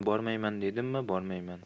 lekin bormayman dedim mi bormayman